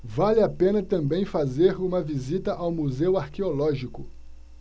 vale a pena também fazer uma visita ao museu arqueológico